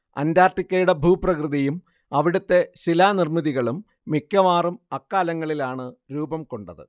അന്റാർട്ടിക്കയുടെ ഭൂപ്രകൃതിയും അവിടുത്തെ ശിലാനിർമ്മിതികളും മിക്കവാറും അക്കാലങ്ങളിലാണ് രൂപം കൊണ്ടത്